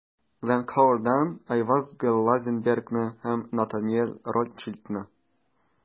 Glencore'дан Айван Глазенбергны һәм Натаниэль Ротшильдны.